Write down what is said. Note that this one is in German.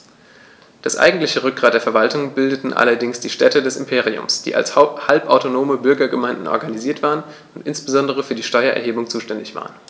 Das eigentliche Rückgrat der Verwaltung bildeten allerdings die Städte des Imperiums, die als halbautonome Bürgergemeinden organisiert waren und insbesondere für die Steuererhebung zuständig waren.